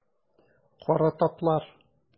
Кара таплар.